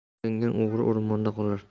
o'rgangan o'g'ri o'rmonda qolar